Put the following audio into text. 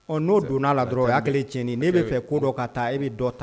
Ɔ n'o donna la dɔrɔn o y'a kɛlen ye cɛnnen ye, ne bɛ fɛ ko dɔ ka taa i bɛ dɔn ta